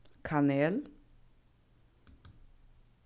kanel